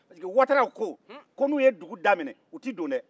pariseke wataraw ko ko n'u ye dugu da minɛ u ti don dɛ